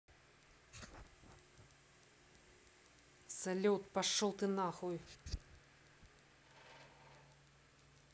салют пошел ты нахуй